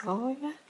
O ia?